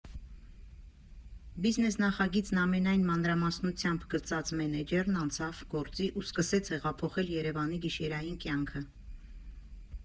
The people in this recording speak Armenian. Բիզնես նախագիծն ամենայն մանրամասնությամբ գծած մենեջերն անցավ գործի ու սկսեց հեղափոխել Երևանի գիշերային կյանքը։